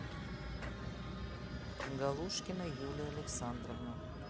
галушкина юлия александровна